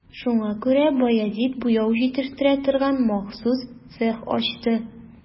Шуңа күрә Баязит буяу җитештерә торган махсус цех ачты.